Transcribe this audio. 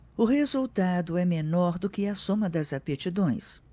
o resultado é menor do que a soma das aptidões